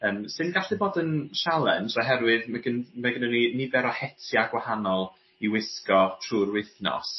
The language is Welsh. Yym sydd yn gallu bod yn sialens oherwydd ma' gyn- mae gynnon ni nifer o hetia gwahanol i wisgo trw'r wythnos.